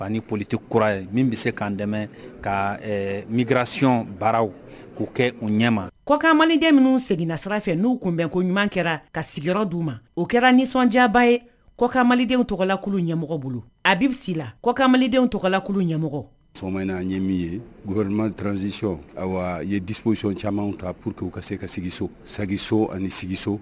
Ban ni polite k kura ye min bɛ se k'a dɛmɛ ka mirasiɔn baararaww k'o kɛ u ɲɛma kɔkanmadenw minnu seginnana sira fɛ n'u tunbɛn ko ɲuman kɛra ka sigiyɔrɔ di uu ma o kɛra nisɔndiyaba ye kɔkanmadenw tɔgɔlakulu ɲɛmɔgɔ bolo a bɛ la kɔkama malidenw tɔgɔlakulu ɲɛmɔgɔ so in'a ye min ye grmaranzsic ayiwa ye disec caman ta pourte ka se ka sigiso sagaso ani sigiso